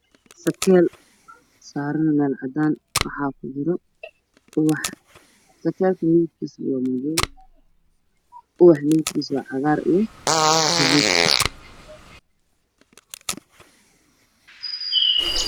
Sakeel saaran meel caddaan waxaa ku jiro ubax sakeelka midabkiisu waa madow ubax midabkiisu waa cagaar iyo buluug